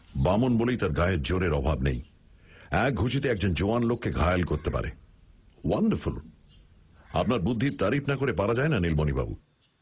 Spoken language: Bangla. বামন বলেই তার গায়ের জোরের অভাব নেই এক ঘুষিতে একজন জোয়ান লোককে ঘায়েল করতে পারে ওয়ান্ডারফুল আপনার বুদ্ধির তারিফ না করে পারা যায় না নীলমণিবাবু